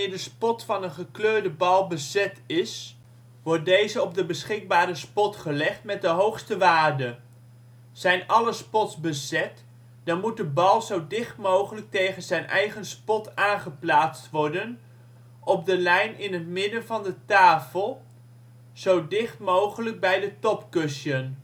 de spot van een gekleurde bal bezet is, wordt deze op de beschikbare spot gelegd met de hoogste waarde. Zijn alle spots bezet, dan moet de bal zo dicht mogelijk tegen zijn eigen spot aan geplaatst worden, op de lijn in het midden van de tafel, zo dicht mogelijk bij de top cushion